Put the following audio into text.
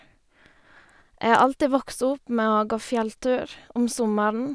Jeg har alltid vokst opp med å gå fjelltur om sommeren.